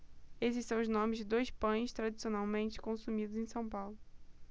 esses são os nomes de dois pães tradicionalmente consumidos em são paulo